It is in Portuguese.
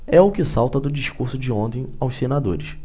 é o que salta do discurso de ontem aos senadores